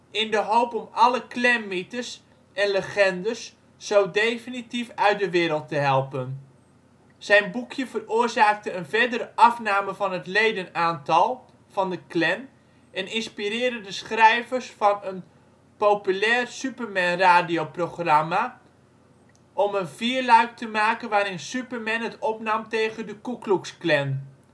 in de hoop om alle Klanmythes en - legendes zo definitief uit de wereld te helpen. Zijn boekje veroorzaakte een verdere afname van het ledenaantal van de Klan en inspireerde de schrijvers van een populair Superman-radioprogramma om een vierluik te maken waarin Superman het opnam tegen de Ku Klux Klan